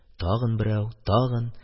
Тагын берәү. Тагын.